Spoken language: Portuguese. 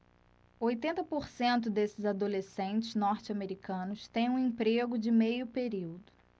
oitenta por cento desses adolescentes norte-americanos têm um emprego de meio período